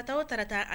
A taaw tata